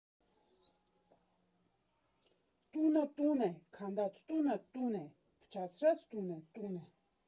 Տունը՝ տուն է, քանդած տունը՝ տուն է, փչացրած տունը՝ տուն է։